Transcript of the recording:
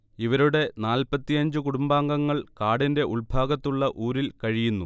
ഇവരുടെ നാൽപ്പത്തിയഞ്ച് കുടുംബാംഗങ്ങൾ കാടിന്റെ ഉൾഭാഗത്തുള്ള ഊരിൽ കഴിയുന്നു